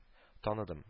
Таныдым